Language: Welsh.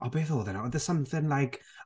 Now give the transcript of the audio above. O, beth odd e nawr? There's something like...